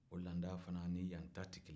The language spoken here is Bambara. o laadaw fana nin yan ta tɛ kelen ye